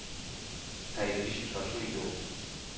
Хәлиткеч очрашу иде ул.